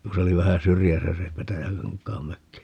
kun se oli vähän syrjässä se Petäjäkankaan mökki